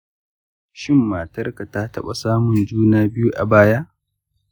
shin matarka ta taɓa samun juna biyu a baya?